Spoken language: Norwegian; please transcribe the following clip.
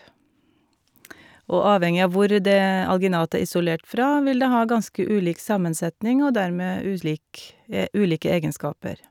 Og avhengig av hvor det alginatet er isolert fra, vil det ha ganske ulik sammensetning, og dermed ulik ulike egenskaper.